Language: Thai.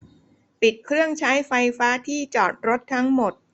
ปิดเครื่องใช้ไฟฟ้าที่จอดรถทั้งหมด